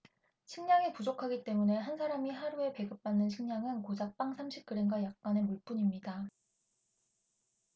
식량이 부족하기 때문에 한 사람이 하루에 배급받는 식량은 고작 빵 삼십 그램과 약간의 물뿐입니다